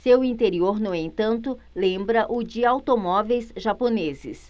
seu interior no entanto lembra o de automóveis japoneses